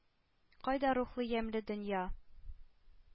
Кайда рухлы ямьле дөнья,